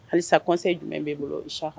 Halisa kɔn jumɛn bɛ' bolo i